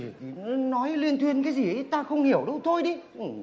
nói luyên thuyên cái gì ý ta không hiểu đâu thôi đi